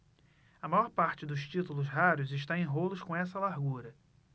a maior parte dos títulos raros está em rolos com essa largura